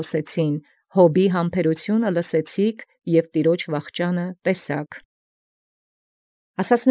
Տեառն. զհամբերութիւն Յոբայ լուարուք, և զկատարումն Տեառն տեսէքե։